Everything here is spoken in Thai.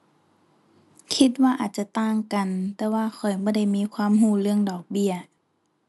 คิดว่าอาจจะต่างกัน แต่ว่าข้อยบ่ได้มีความรู้เรื่องดอกเบี้ย